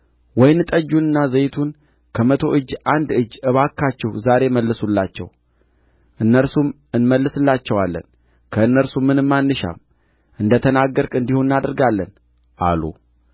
ወይን ጠጁንና ዘይቱን ከመቶ እጅ አንድ እጅ እባካችሁ ዛሬ መልሱላቸው እነርሱም እንመልስላቸዋለን ከእነርሱም ምንም አንሻም እንደ ተናገርህ እንዲሁ እናደርጋለን አሉ